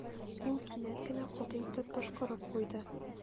Ул кинәт кенә каты итеп пошкырып куйды.